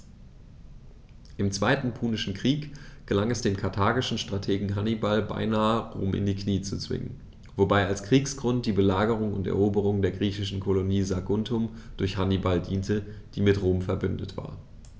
Im Zweiten Punischen Krieg gelang es dem karthagischen Strategen Hannibal beinahe, Rom in die Knie zu zwingen, wobei als Kriegsgrund die Belagerung und Eroberung der griechischen Kolonie Saguntum durch Hannibal diente, die mit Rom „verbündet“ war.